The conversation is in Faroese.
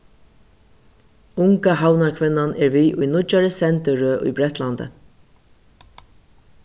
unga havnarkvinnan er við í nýggjari sendirøð í bretlandi